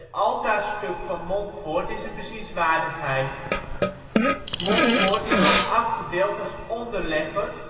Altaarstuk van Montfoort is een bezienswaardigheid. Montfoort is ook afgebeeld als onderlegger